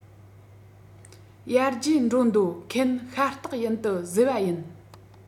ཡར རྒྱས འགྲོ འདོད མཁན ཤ སྟག ཡིན དུ བཟོས པ ཡིན